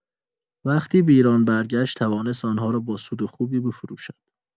وقتی به ایران برگشت، توانست آن‌ها را با سود خوبی بفروشد.